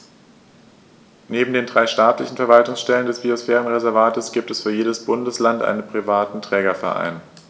Neben den drei staatlichen Verwaltungsstellen des Biosphärenreservates gibt es für jedes Bundesland einen privaten Trägerverein.